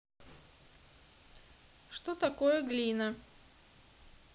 что такое глина